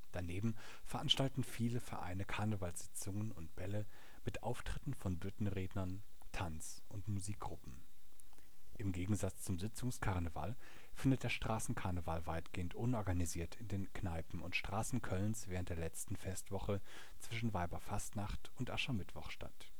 Daneben veranstalten viele Vereine Karnevalssitzungen und - bälle mit Auftritten von Büttenrednern, Tanz - und Musikgruppen. Im Gegensatz zum Sitzungskarneval findet der Straßenkarneval weitgehend unorganisiert in den Kneipen und Straßen Kölns während der letzten Festwoche zwischen Weiberfastnacht und Aschermittwoch statt